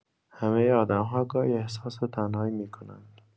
همه آدم‌ها گاهی احساس تنهایی می‌کنند.